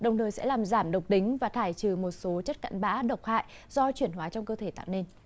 đồng thời sẽ làm giảm độc tính và thải trừ một số chất cặn bã độc hại do chuyển hóa trong cơ thể tạo nên